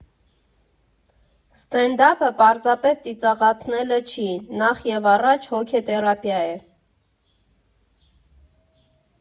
Սթենդափը պարզապես ծիծաղացնելը չի, նախևառաջ հոգեթերապիա է.